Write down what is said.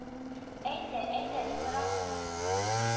Әйдә, әйдә, җылырак булыр